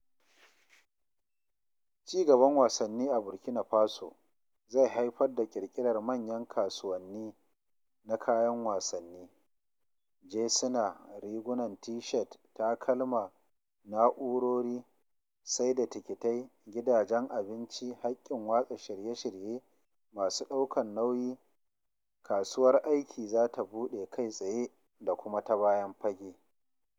Ci gaban wasanni a Burkina Faso zai haifar da ƙirƙirar manyan kasuwanni na kayan wasanni (jesuna, rigunan T-shirt, takalma, na'urori), saida tikitai, gidajen abinci, haƙƙin watsa shirye-shirye, masu ɗaukar nauyi... Kasuwar aiki za ta buɗe kai tsaye da kuma ta bayan fage .